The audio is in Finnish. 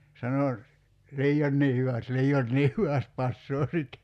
sanoi liioinkin hyvästi liioinkin hyvästi passaa sitten